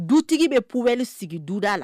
Dutigi bɛ puɛli sigi duda la